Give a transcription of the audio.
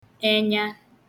enya